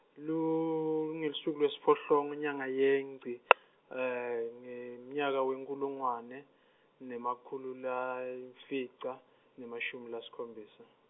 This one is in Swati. lu- nge lishumi nesiphohlongo inyanga yeNgci , ngemnyaka wenkhulungwane, nemakhulu layimfica, nemashumi lasikhombisa.